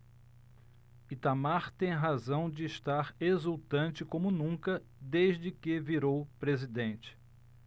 itamar tem razão de estar exultante como nunca desde que virou presidente